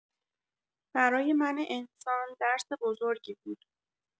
برای من انسان درس بزرگی بود.